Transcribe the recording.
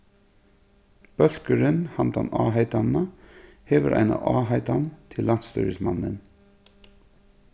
bólkurin handan áheitanina hevur eina áheitan til landsstýrismannin